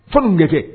Foli bɛ kɛ